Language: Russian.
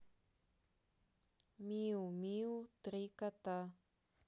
миу миу три кота